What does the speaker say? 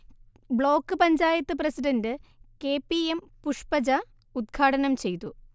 block panchayat president K P M Pushpaja ഉദ്ഘാടനംചെയ്തു